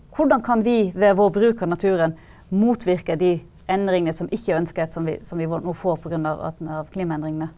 hvordan kan vi ved vår bruk av naturen motvirke de endringene som ikke er ønsket som vi som vi nå får pga. at av klimaendringene?